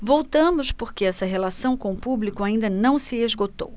voltamos porque essa relação com o público ainda não se esgotou